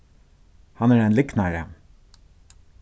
hann er ein lygnari